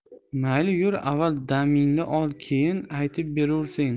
mayli yur avval damingni ol keyin aytib berursen